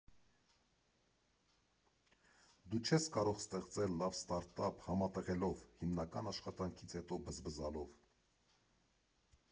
Դու չես կարող ստեղծել լավ ստարտափ՝ համատեղելով, հիմնական աշխատանքից հետո բզբզալով.